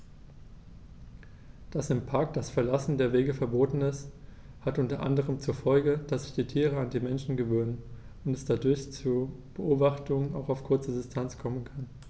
Dass im Park das Verlassen der Wege verboten ist, hat unter anderem zur Folge, dass sich die Tiere an die Menschen gewöhnen und es dadurch zu Beobachtungen auch auf kurze Distanz kommen kann.